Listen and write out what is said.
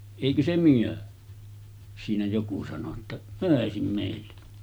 eikö se me siinä joku sanoi jotta myisi meille